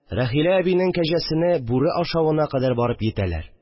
Рәхилә әбинең кәҗәсене бүре ашавына кадәр барып йитәләр